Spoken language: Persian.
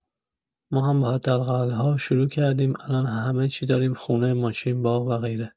ما هم با حداقل‌ها شروع کردیم الان همه چی داریم خونه، ماشین، باغ و…